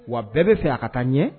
Wa bɛɛ bɛ fɛ a ka taa ɲɛ